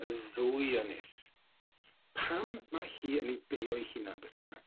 y ddwy ynys. Pam ma' hi yn 'i beio'i hunan beth bynnag?